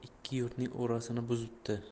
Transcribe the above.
ikki yurtning orasini buzibdi